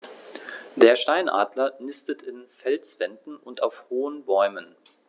Der Steinadler nistet in Felswänden und auf hohen Bäumen.